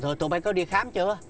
rồi tụi bay có đi khám chưa